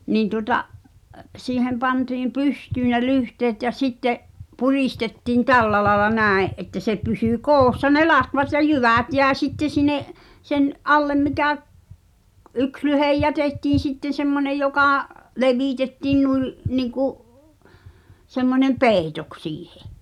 niin tuota siihen pantiin pystyyn ne lyhteet ja sitten puristettiin tällä lailla näin että se pysyi koossa ne latvat ja jyvät jäi sitten sinne sen alle mikä - yksi lyhde jätettiin sitten semmoinen joka levitettiin noin niin kuin semmoinen peitoksi siihen